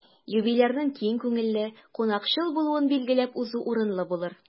Юбилярның киң күңелле, кунакчыл булуын билгеләп узу урынлы булыр.